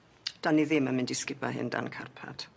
'Dan ni ddim yn mynd i sgubo hyn dan carpad.